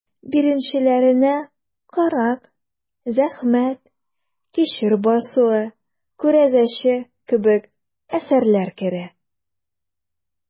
Беренчеләренә «Карак», «Зәхмәт», «Кишер басуы», «Күрәзәче» кебек әсәрләр керә.